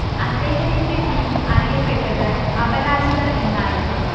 അദ്ദേഹത്തിന്റെ ടീം അറിയപ്പെട്ടത് അപരാജിതർ എന്നായിരുന്നു